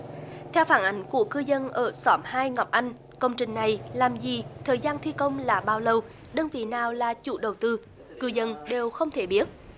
theo phản ánh của cư dân ở xóm hai ngọc anh công trình này làm gì thời gian thi công là bao lâu đơn vị nào là chủ đầu tư cư dân đều không thể biết